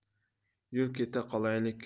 yur keta qolaylik